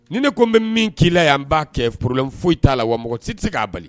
Ni ne ko n bɛ min k'i la yanan b'a kɛ foroorolen foyi t'a la wa mɔgɔ si tɛ se k'a bali